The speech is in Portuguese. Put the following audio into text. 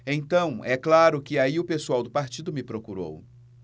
então é claro que aí o pessoal do partido me procurou